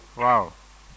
waaw